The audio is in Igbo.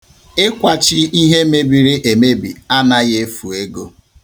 Ịkwachi ihe mebiri emebi anaghị efu ego.